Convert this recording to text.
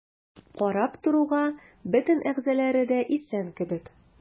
Карап торуга бөтен әгъзалары исән кебек.